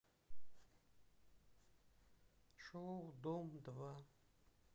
шоу дом два